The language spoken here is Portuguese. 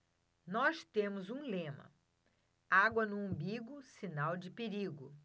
nós temos um lema água no umbigo sinal de perigo